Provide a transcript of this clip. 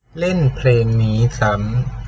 เล่นเพลงนี้ซ้ำ